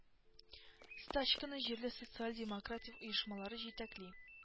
Стачканы җирле социал-демократик оешмалары җитәкли